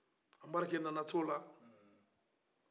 anbarike nana to o la